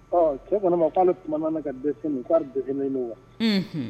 Ɔ Cɛ ko he ma k'ale kuma na ka k'ale wa? Unhun